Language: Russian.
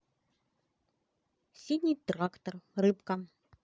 синий трактор рыбка